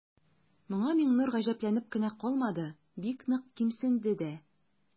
Моңа Миңнур гаҗәпләнеп кенә калмады, бик нык кимсенде дә.